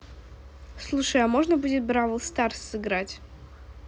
слушай а можно будет бравл старс сыграть